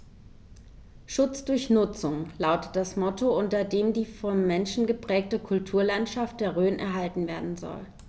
„Schutz durch Nutzung“ lautet das Motto, unter dem die vom Menschen geprägte Kulturlandschaft der Rhön erhalten werden soll.